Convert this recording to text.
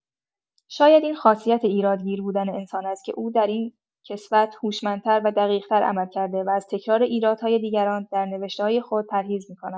شاید این خاصیت ایرادگیر بودن انسان است که او در این کسوت، هوشمندتر و دقیق‌تر عمل کرده و از تکرار ایرادهای دیگران در نوشته‌های خود پرهیز می‌کند.